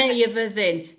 ...neu y fyddin.